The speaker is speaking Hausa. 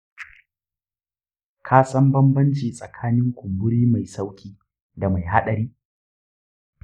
ka san bambanci tsakanin ƙumburi mai sauƙi da mai haɗari?